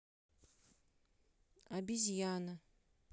обезьяна